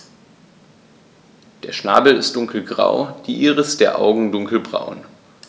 Der Schnabel ist dunkelgrau, die Iris der Augen dunkelbraun.